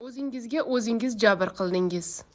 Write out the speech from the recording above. o'zingizga o'zingiz jabr qildingiz